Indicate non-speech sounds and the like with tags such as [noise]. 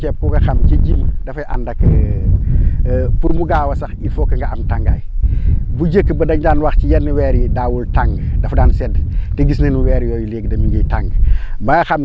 [noise] te mbéyum ceeb ku ko xam ci ji [noise] mi dafay ànd ak [hesitation] [noise] pour mu gaaw a sax il faut que nga am tàngaay [breath] bu njëkk ba dañ daan wax ci yenn weer yi daawul tàng dafa daan sedd te gis nañ ni weer yooyu léegi de mi ngi tàng [breath]